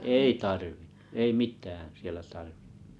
ei tarvinnut ei mitään siellä tarvinnut